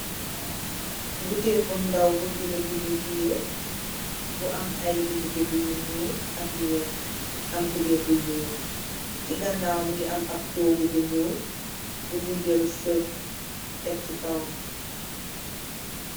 Boteel bu ndaw bu green bu nu tiye bu am ay bindi bindi weex ak yu nyull mu am cuberr bu nyull ci ganawam mungi am togu bu nyul bun tek ci kawam.